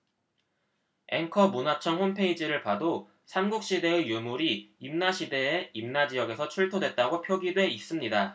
앵커 문화청 홈페이지를 봐도 삼국시대의 유물이 임나시대에 임나지역에서 출토됐다고 표기돼 있습니다